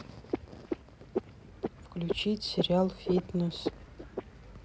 включить сериал фитнес